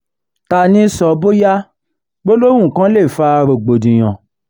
Ta ní í sọ bóyá gbólóhùn kan lè fa rògbòdìyàn?